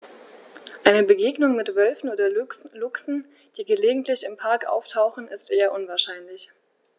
Eine Begegnung mit Wölfen oder Luchsen, die gelegentlich im Park auftauchen, ist eher unwahrscheinlich.